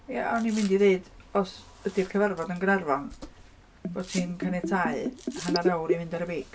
Ie o'n i'n mynd i ddeud, os ydy'r cyfarfod yn Gaernarfon, bod ti'n caniatáu hanner awr i fynd ar y beic.